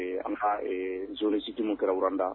An ka zolisituumu kɛraranda